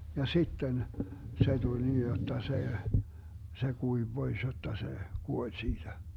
ja sitten se tuli niin jotta se se kuivui pois jotta se kuoli siitä